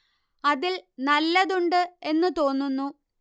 അതിൽ നല്ലത് ഉണ്ട് എന്ന് തോന്നുന്നു